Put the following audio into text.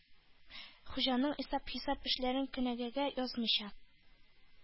Хуҗаның исәп-хисап эшләрен кенәгәгә язмыйча,